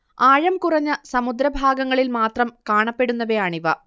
ആഴംകുറഞ്ഞ സമുദ്രഭാഗങ്ങളിൽ മാത്രം കാണപ്പെടുന്നവയാണിവ